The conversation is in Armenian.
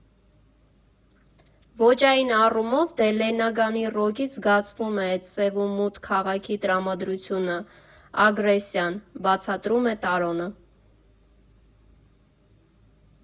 «Ոճային առումով, դե Լեննագանի ռոքից զգացվում է էտ սև ու մութ քաղաքի տրամադրությունը, ագրեսիան», ֊ բացատրում է Տարոնը։